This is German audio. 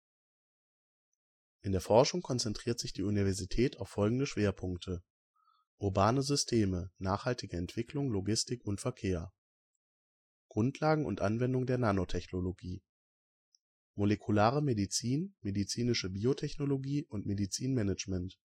der Forschung konzentriert sich die Universität auf folgende Schwerpunkte: Urbane Systeme: Nachhaltige Entwicklung, Logistik und Verkehr Grundlagen und Anwendung der Nanotechnologie Molekulare Medizin, Medizinische Biotechnologie und Medizinmanagement